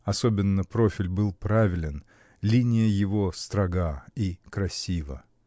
Особенно профиль был правилен, линия его строга и красива.